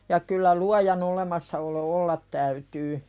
ja kyllä luojan olemassaolo olla täytyy